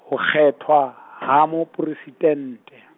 ho kgethwa, ha Mopresidente.